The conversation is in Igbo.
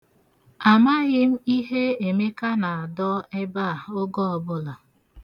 Amaghị ihe Emeka na-adọ ebe a oge ọbụla.